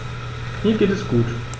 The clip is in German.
Mir geht es gut.